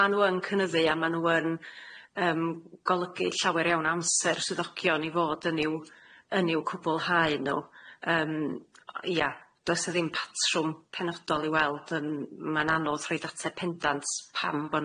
ma' n'w yn cynyddu a ma' n'w yn yym golygu llawer iawn o amser swyddogion i fod yn i'w yn i'w cwbwlhau n'w yym ie does y ddim patrwm penodol i weld yn ma'n anodd rhoi data pendant pam bo'